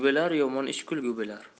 yomon ish kulgi bo'lar